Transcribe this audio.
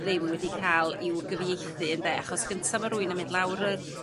ddim wedi ca'l i'w gyfieithu ynde? Achos gynta' ma' rwy'n yn mynd lawr